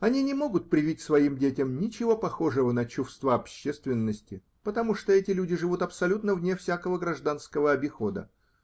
Они не могут привить своим детям ничего похожего на чувство общественности, потому что эти люди живут абсолютно вне всякого гражданского обихода.